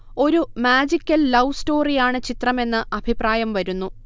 ഒരു magical love സ്റ്റോറിയാണ് ചിത്രമെന്ന് അഭിപ്രായം വരുന്നു